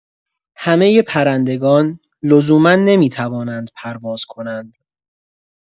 همۀ پرندگان لزوما نمی‌توانند پرواز کنند.